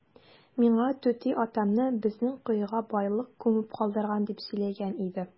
Миңа түти атамны безнең коега байлык күмеп калдырган дип сөйләгән иде.